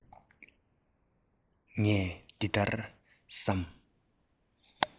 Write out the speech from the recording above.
ངས འདི ལྟར བསམ